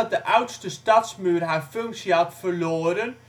de oudste stadsmuur haar functie had verloren